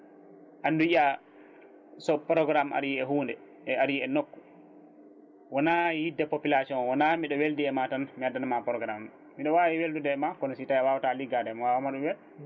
andi yiya so programme ari e hunde e ari e nokku wona yidde population o wona mbiɗa weldi e ma tan mi addana ma programme mbiɗo wawi weldude ma kono si tawi a wawata liggade mi wawa ɗum weed